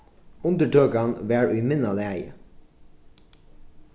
undirtøkan var í minna lagi